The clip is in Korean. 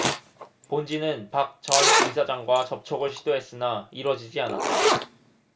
본지는 박 전 이사장과 접촉을 시도했으나 이뤄지지 않았다